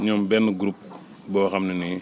ñoom benn groupe boo xam ne nii